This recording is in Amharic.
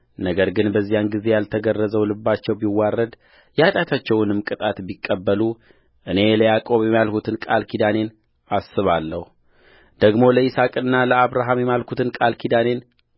ነገር ግን በዚያን ጊዜ ያልተገረዘው ልባቸው ቢዋረድ የኃጢአታቸውንም ቅጣት ቢቀበሉእኔ ለያዕቆብ የማልሁትን ቃል ኪዳኔን አስባለሁ ደግሞ ለይስሐቅና ለአብርሃም የማልሁትን ቃል ኪዳኔን